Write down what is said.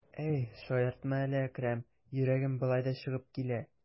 Әй, шаяртма әле, Әкрәм, йөрәгем болай да чыгып килә.